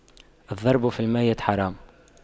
الضرب في الميت حرام